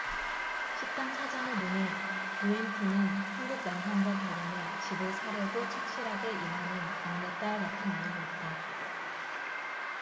식당 사장의 눈에 누엔티는 한국 남성과 결혼해 집을 사려고 착실하게 일하는 막내딸 같은 아이였다